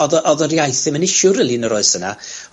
odd y, odd yr iaith ddim yn issue rili yn yr oes yna.